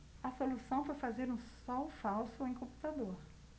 a solução foi fazer um sol falso em computador